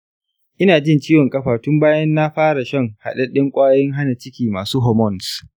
ina jin ciwon ƙafa tun bayan na fara shan haɗedden kwayoyin hana ciki masu hormones .